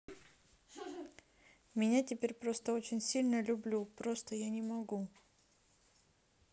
меня теперь просто очень сильно люблю просто я не могу